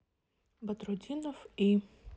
батрутдинов и